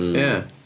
Ia.